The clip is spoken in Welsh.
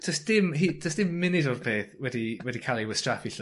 do's dim hyd do's dim munud o'r peth wedi wedi ca'l ei wastraffu...